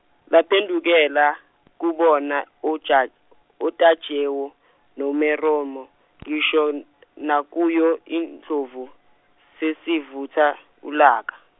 laphendukela kubona otsha- oTajewo noMeromo ngisho n-, nakuyo indlovu sesivutha ulaka.